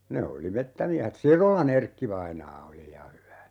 ne oli metsämiehet Sirolan Erkki-vainaa oli ja hyvä